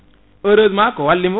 heureusement ko wallimo